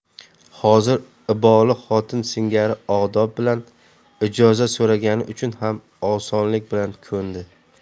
hozir iboli xotin singari odob bilan ijozat so'ragani uchun ham osonlik bilan ko'ndi